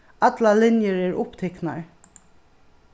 allar linjur eru upptiknar